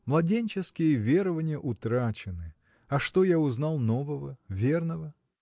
– Младенческие верования утрачены, а что я узнал нового, верного?.